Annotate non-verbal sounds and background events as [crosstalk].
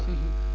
[hesitation] [hesitation]